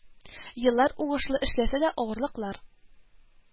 Еллар уңышлы эшләсә дә, авырлыклар